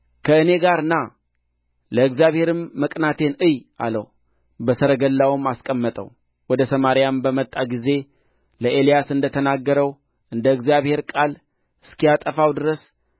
ከእኔ ጋር ና ለእግዚአብሔርም መቅናቴን እይ አለው በሰረገላውም አስቀመጠው ወደ ሰማሪያም በመጣ ጊዜ ለኤልያስ እንደ ተናገረው እንደ እግዚአብሔር ቃል እስኪያጠፋው ድረስ